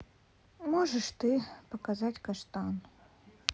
можешь ты показать каштан